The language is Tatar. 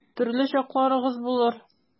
Төрле чакларыгыз булыр.